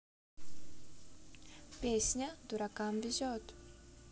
песня дуракам везет